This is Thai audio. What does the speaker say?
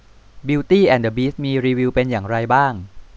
บิวตี้แอนด์เดอะบีสต์มีรีวิวเป็นอย่างไรบ้าง